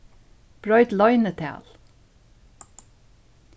broyt loynital